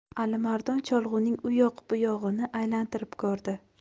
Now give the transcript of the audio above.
alimardon cholg'uning u yoq bu yog'ini aylantirib ko'rdi